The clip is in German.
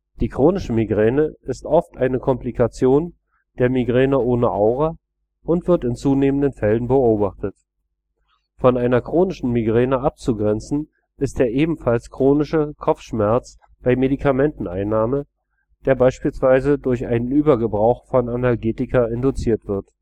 Die chronische Migräne ist oft eine Komplikation der Migräne ohne Aura und wird in zunehmenden Fällen beobachtet. Von einer chronischen Migräne abzugrenzen ist der ebenfalls chronische Kopfschmerz bei Medikamenteneinnahme, der beispielsweise durch einen Übergebrauch von Analgetika induziert wird